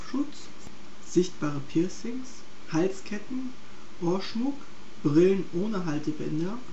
Halsketten, Ohrschmuck, Brillen ohne Haltebänder